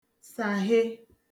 sàhe